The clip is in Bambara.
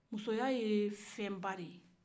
musoya ye fɛnba de ye